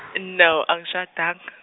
no angishadanga.